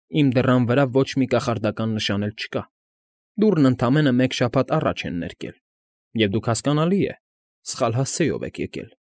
Իմ դռան վրա ոչ մի կախարդական նշան էլ չկա, դուռն ընդամենը մեկ շաբաթ առաջ են ներկել, և դուք, հասկանալի է, սխալ հասցեով եք եկել։